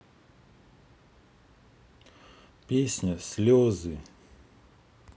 песня слезы